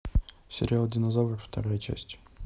сериал динозавр вторая часть